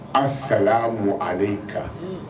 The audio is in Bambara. An sa mɔ ale in kan